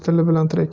till bilan tirik